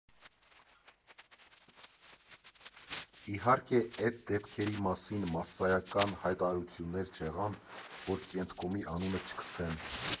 Իհարկե էտ դեպքերի մասին մասսայական հայտարարություններ չեղան, որ Կենտկոմի անունը չքցեն։